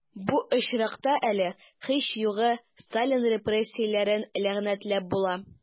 Бу очракта әле, һич югы, Сталин репрессияләрен ләгънәтләп була...